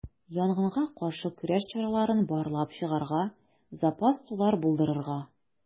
Янгынга каршы көрәш чараларын барлап чыгарга, запас сулар булдырырга.